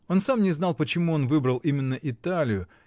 Он сам не знал, почему он выбрал именно Италию